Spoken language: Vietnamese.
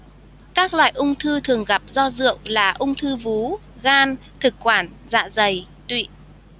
các loại ung thư thường gặp do rượu là ung thư vú gan thực quản dạ dày tụy